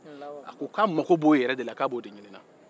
a ko k'a mago b'o yɛrɛ de la